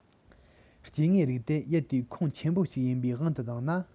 སྐྱེ དངོས རིགས དེ ཡུལ དེའི ཁོངས ཆེན པོ ཞིག ཡིན པའི དབང དུ བཏང ན